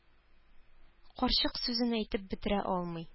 Карчык сүзен әйтеп бетерә алмый.